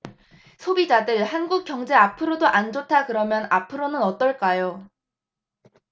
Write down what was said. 소비자들 한국 경제 앞으로도 안 좋다그러면 앞으로는 어떨까요